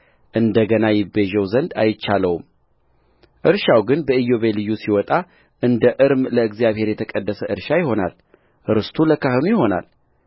እንደገና ይቤዠው ዘንድ አይቻለውምእርሻው ግን በኢዮቤልዩ ሲወጣ እንደ እርም ለእግዚአብሔር የተቀደሰ እርሻ ይሆናል ርስቱ ለካህኑ ይሆናል